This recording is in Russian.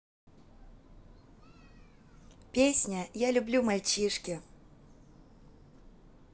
песня я люблю мальчишки